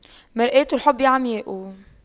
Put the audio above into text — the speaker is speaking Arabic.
مرآة الحب عمياء